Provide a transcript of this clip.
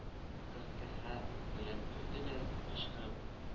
Каһкаһә белән көлде дә, кычкырып: